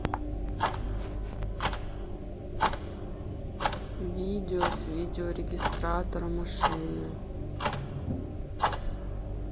видео с видеорегистратора машины